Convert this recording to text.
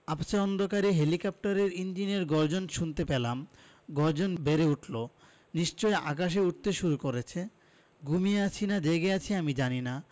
আবছা অন্ধকারে হেলিকপ্টারের ইঞ্জিনের গর্জন শুনতে পেলাম গর্জন বেড়ে উঠলো নিশ্চয়ই আকাশে উড়তে শুরু করছে ঘুমিয়ে আছি না জেগে আছি আমি জানি না